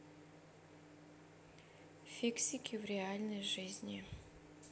фиксики в реальной жизни